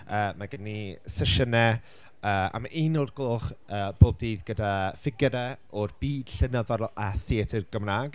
Yy ma' gyda ni sesiynnau yy am un o'r gloch yy pob dydd gyda ffigyrau o'r byd llenyddol a theatr Gymraeg.